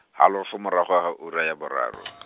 halofo morago ga ura ya boraro.